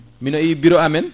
mino yi bureau amen